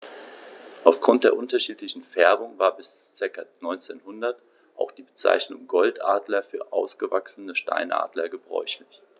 Auf Grund der unterschiedlichen Färbung war bis ca. 1900 auch die Bezeichnung Goldadler für ausgewachsene Steinadler gebräuchlich.